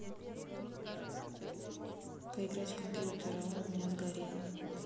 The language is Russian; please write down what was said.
поиграть в компьютер а он у меня сгорел